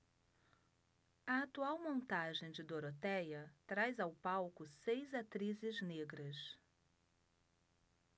a atual montagem de dorotéia traz ao palco seis atrizes negras